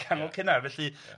canol cynnar, felly ia.